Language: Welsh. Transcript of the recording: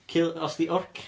Kill- os 'di Orca...